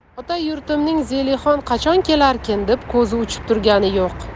ota yurtimning zelixon qachon kelarkin deb ko'zi uchib turgani yo'q